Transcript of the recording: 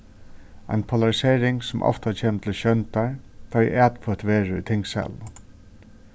ein polarisering sum ofta kemur til sjóndar tá ið atkvøtt verður í tingsalinum